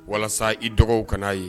Walasa i dɔgɔw kana n'a ye